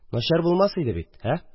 – начар булмас иде бит, ә?